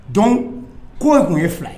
Dɔnku k ko tun ye fila ye